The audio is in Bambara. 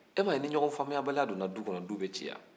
e m'a ye ni ɲɔgɔnfaamuyabaliya donna du kɔnɔ du bɛ ci wa